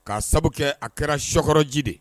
K'a sabu kɛ, a kɛra sɔkɔrɔji de.